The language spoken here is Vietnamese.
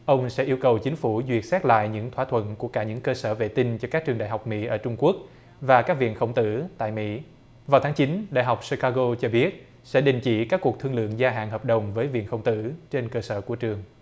ông sẽ yêu cầu chính phủ duyệt xét lại những thỏa thuận của cả những cơ sở vệ tinh cho các trường đại học mỹ ở trung quốc và các viện khổng tử tại mỹ vào tháng chín đại học sê ca gô cho biết sẽ đình chỉ các cuộc thương lượng gia hạn hợp đồng với viện khổng tử trên cơ sở của trường